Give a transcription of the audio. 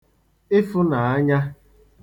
ịfụnàanya